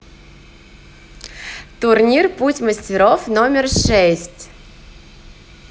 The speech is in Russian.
турнир путь мастеров номер шесть